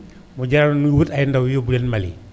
mu jar ñu ñu wut ay ndam yóbbu leen Mali